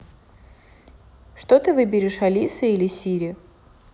что ты выберешь алиса или сири